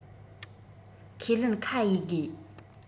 ཁས ལེན ཁ དབྱེ དགོས